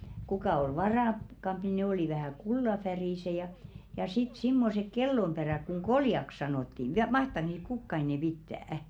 kuka oli varakkaampi ne oli vähän kullanväriset ja ja sitten semmoiset kellonperät kun koljaksi sanottiin vielä mahtaako niitä kukaan enää pitää